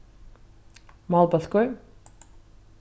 málbólkur